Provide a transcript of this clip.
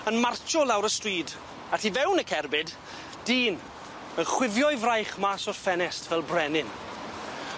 yn martsio lawr y stryd a tu fewn y cerbyd, dyn, yn chwifio'i fraich mas o'r ffenest fel brenin.